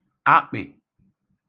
akpị̀